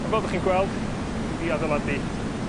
a fel 'dach chi'n gweld dwi 'di adeiladu